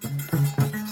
San